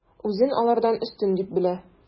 Үзен алардан өстен дип белә.